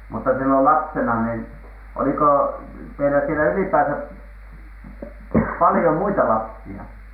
mutta silloin lapsena niin oliko teillä siellä ylipäänsä paljon muita lapsia